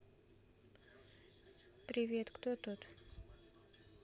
привет кто тут